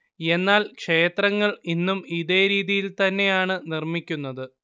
എന്നാല്‍ ക്ഷേത്രങ്ങള്‍ ഇന്നും ഇതേ രീതിയില്‍ തന്നെയാണ് നിര്‍മ്മിക്കുന്നത്